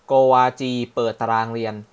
โกวาจีเปิดตารางเรียน